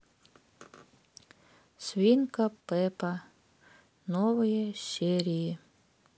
свинка пеппа новые серии